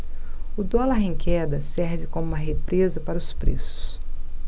o dólar em queda serve como uma represa para os preços